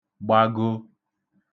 gbago